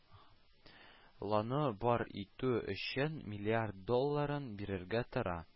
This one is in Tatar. Ланы бар итү өчен миллиард долларын бирергә тора